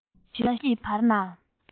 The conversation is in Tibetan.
ར ས ཞོལ གྱི བར ན